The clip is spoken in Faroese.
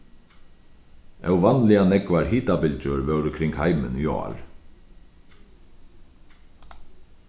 óvanliga nógvar hitabylgjur vóru kring heimin í ár